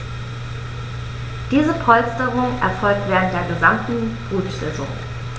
Diese Polsterung erfolgt während der gesamten Brutsaison.